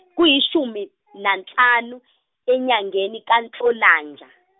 kuyishumi nanhlanu enyangeni kaNhlolanja.